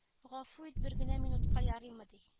Гафу ит бер генә минутка ярыймы ди